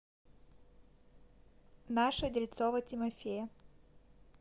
наша дельцова тимофея